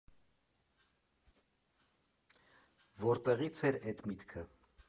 Որտեղի՞ց էդ միտքը։